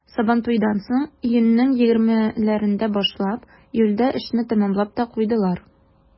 Сабантуйдан соң, июньнең 20-ләрендә башлап, июльдә эшне тәмамлап та куйдылар.